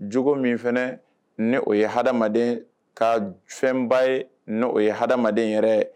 Joko min fana ne o ye hadamaen ka fɛnba ye, o ye hadamadenya yɛrɛ ye